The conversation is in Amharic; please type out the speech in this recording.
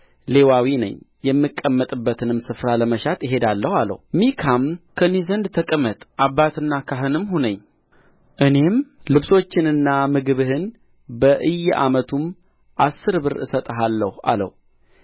ሌዋዊ ነኝ የምቀመጥበትንም ስፍራ ለመሻት እሄዳለሁ አለው ሚካም ከእኔ ዘንድ ተቀመጥ አባትና ካህንም ሁነኝ እኔም ልብሶችንና ምግብህን በእየዓመቱም አሥር ብር እሰጥሃለሁ አለው